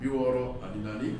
Bi wɔɔrɔ ani naanili